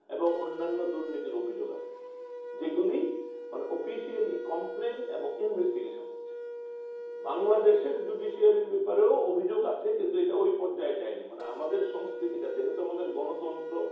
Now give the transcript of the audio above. এবং অন্যান্য দুর্নীতির অভিযোগ আছে যেগুলো অফিশিয়ালি কমপ্লেন এবং ইনভেস্টিগেশন হচ্ছে বাংলাদেশের জুডিশিয়ারির ব্যাপার অভিযোগ আছে কিন্তু এটা ওই পর্যায়ে যায় না মানে আমাদের সংস্কৃতিটা যেহেতু আমাদের গণতন্ত্র